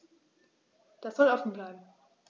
Das soll offen bleiben.